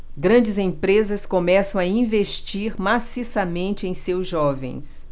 grandes empresas começam a investir maciçamente em seus jovens